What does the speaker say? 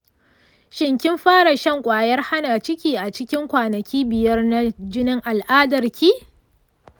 shin kin fara shan kwayar hana ciki acikin kwanaki biyar na jinin al'adar ki?